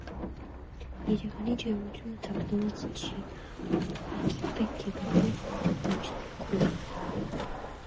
Երևանի ջերմությունը թաքնված չի, ուղղակի պետք է գտնել, թե ինչն է քոնը։